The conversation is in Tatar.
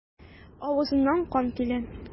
Авызыннан кан килә.